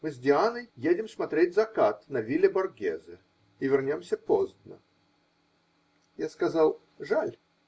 Мы с Дианой едем смотреть закат на вилле Боргезе и вернемся поздно. Я сказал: -- Жаль.